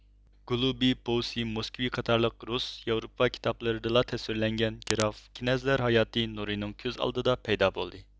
گولۇبى پوۋسېي موسكۋى قاتارلىق رۇس ياۋروپا كىتابلىرىدىلا تەسۋىرلەنگەن گراف كىنەزلەر ھاياتى نۇرىنىڭ كۆز ئالدىدا پەيدا بولدى